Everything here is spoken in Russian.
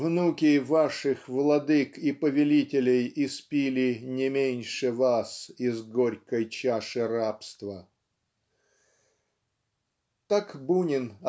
внуки ваших Владык и повелителей испили Не меньше вас из горькой чаши рабства!" Так Бунин